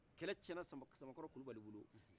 kɛlɛ tiɲɛna samakɔrɔ kulibali bolo